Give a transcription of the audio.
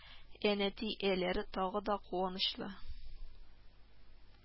Ә нәти әләре тагы да куанычлы